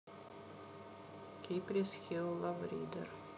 cypress hill lowrider